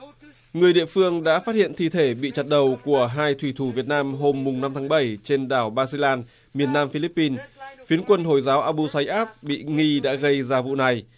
người địa phương đã phát hiện thi thể bị chặt đầu của hai thủy thủ việt nam hôm mùng năm tháng bẩy trên đảo ba si lan miền nam phi líp pin phiến quân hồi giáo a bu xay áp bị nghi đã gây ra vụ này